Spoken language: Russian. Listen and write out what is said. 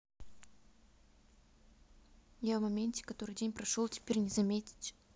я в моменте который день прошел теперь не заметить